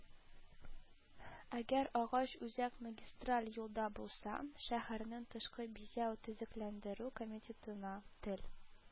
Әгәр агач үзәк магистраль юлда булса, шәһәрнең тышкы бизәү-төзекләндерү комитетына (тел